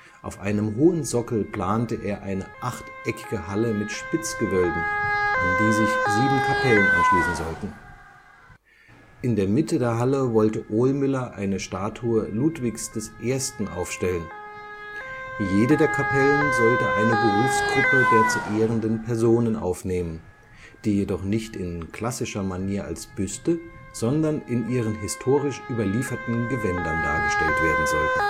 Auf einem hohen Sockel plante er eine achteckige Halle mit Spitzgewölben, an die sich sieben Kapellen anschließen sollten. In der Mitte der Halle wollte Ohlmüller eine Statue Ludwigs I. aufstellen. Jede der Kapellen sollte eine Berufsgruppe der zu ehrenden Personen aufnehmen, die jedoch nicht in klassischer Manier als Büste, sondern in ihren historisch überlieferten Gewändern dargestellt werden sollten